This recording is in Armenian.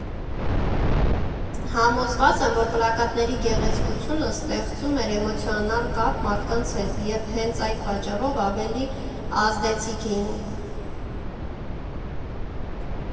Համոզված եմ, որ պլակատների գեղեցկությունը ստեղծում էր էմոցիոնալ կապ մարդկանց հետ և հենց այդ պատճառով ավելի ազդեցիկ էին։